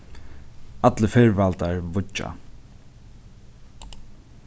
allir firvaldar víggja